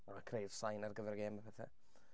A creu'r sain ar gyfer y gêm a pethe.